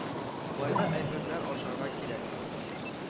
Майлы әйберләр ашарга кирәкми